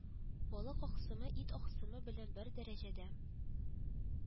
Балык аксымы ит аксымы белән бер дәрәҗәдә